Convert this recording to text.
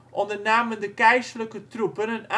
ondernamen de keizerlijke troepen